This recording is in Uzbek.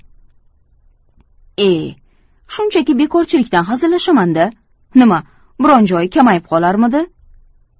e shunchaki bekorchilikdan hazillashamanda nima biron joyi kamayib qolarmidi